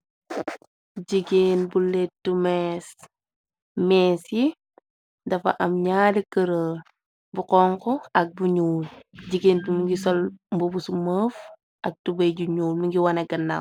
Jigeen bu letu mees yi dafa am ñaali kërël bu konk ak bu ñuul jigéen bi mi ngi sol mbo bu su mëef ak tubey ju ñuul mi ngi wone ganaaw.